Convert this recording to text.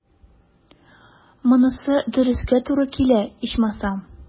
Монысы дөрескә туры килә, ичмасам.